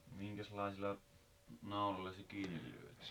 minkäslaisilla nauloilla se kiinni lyötiin